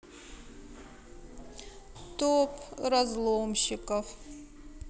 топ разломщиков